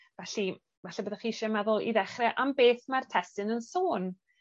Felly falle byddech chi isie meddwl i ddechre am beth ma'r testun yn sôn.